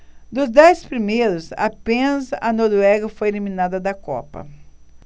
dos dez primeiros apenas a noruega foi eliminada da copa